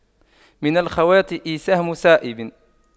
من الخواطئ سهم صائب